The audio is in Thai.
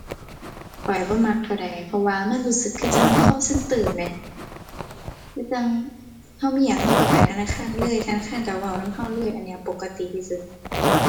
ข้อยบ่มักเท่าใดเพราะว่ามันรู้สึกคือจั่ง call center แหม คือจั่งเรามีหยังเราเราไปธนาคารเลย ธนาคารเราเว้านำเราเลย อันนี้ปกติที่สุด